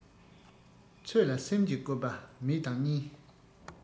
ཚོད ལ སེམས ཀྱི བཀོད པ མེད དང གཉིས